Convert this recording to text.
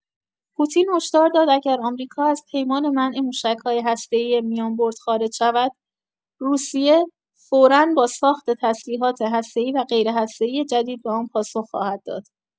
پوتین هشدار داد اگر آمریکا از پیمان منع موشک‌های هسته‌ای میانبرد خارج شود، روسیه فورا با ساخت تسلیحات هسته‌ای و غیرهسته‌ای جدید به آن پاسخ خواهد داد.